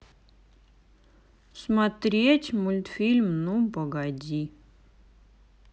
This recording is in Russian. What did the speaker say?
смотреть мультфильм ну погоди